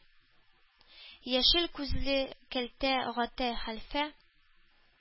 Яшел күзле кәлтә гата хәлфә